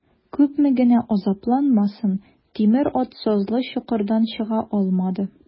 Күпме генә азапланмасын, тимер ат сазлы чокырдан чыга алмады.